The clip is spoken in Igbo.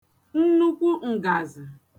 nnukwu ǹgàzị̀